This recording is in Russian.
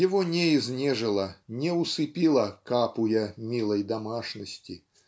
Его не изнежила, не усыпила Капуя милой домашности